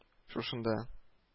Шушында